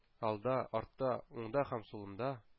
Алда, артта, уңда һәм сулымда